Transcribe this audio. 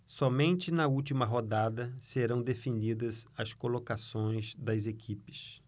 somente na última rodada serão definidas as colocações das equipes